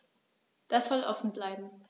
Das soll offen bleiben.